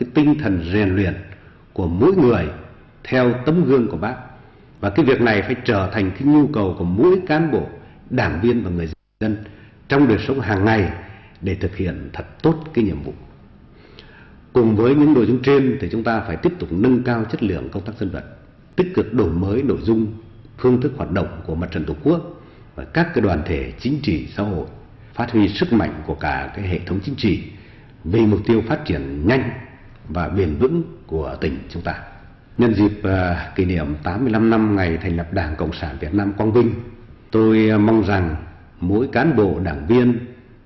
tinh thần rèn luyện của mỗi người theo tấm gương của bác và cái việc này phải trở thành nhu cầu của mỗi cán bộ đảng viên và người dân trong đời sống hằng ngày để thực hiện thật tốt các nhiệm vụ cùng với những nội dung trên để chúng ta phải tiếp tục nâng cao chất lượng công tác dân vận tích cực đổi mới nội dung phương thức hoạt động của mặt trận tổ quốc các đoàn thể chính trị xã hội phát huy sức mạnh của cả hệ thống chính trị vì mục tiêu phát triển nhanh và bền vững của tỉnh chúng ta nhân dịp à kỷ niệm tám mươi lăm năm ngày thành lập đảng cộng sản việt nam quang vinh tôi mong rằng mỗi cán bộ đảng viên